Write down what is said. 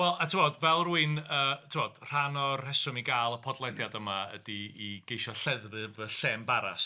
Wel a tibod, fel rywun, yy, tibod... rhan o'r rheswm i gael y podleidiad yma ydy i geisio lleddfu fy llembaras.